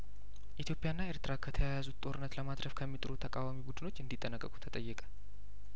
ኢትዮጵያና ኤርትራ ከተያያዙት ጦርነት ለማትረፍ ከሚጥሩ ተቃዋሚ ቡድኖች እንዲ ጠነቀቁ ተጠየቀ